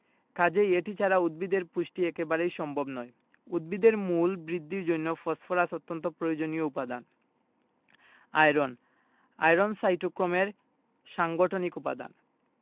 কাজেই এটি ছাড়া উদ্ভিদের পুষ্টি একেবারেই সম্ভব নয় উদ্ভিদের মূল বৃদ্ধির জন্য ফসফরাস অত্যন্ত প্রয়োজনীয় উপাদান আয়রন আয়রন সাইটোক্রোমের সাংগঠনিক উপাদান